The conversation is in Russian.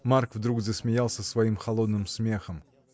Марк вдруг засмеялся своим холодным смехом.